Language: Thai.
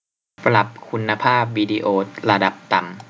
ปรับคุณภาพวิดีโอระดับต่ำ